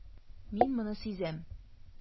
Мин моны сизәм.